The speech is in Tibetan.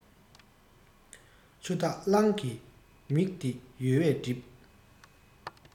ཆུ འཐག གླང གི མིག དེ ཡོལ བས བསྒྲིབས